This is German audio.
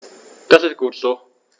Das ist gut so.